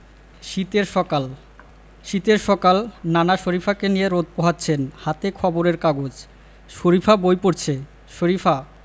শীতের সকাল শীতের সকাল নানা শরিফাকে নিয়ে রোদ পোহাচ্ছেন হাতে খবরের কাগজ শরিফা বই পড়ছে শরিফা